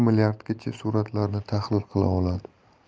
milliardgacha suratlarni tahlil qila oladi